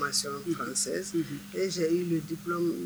E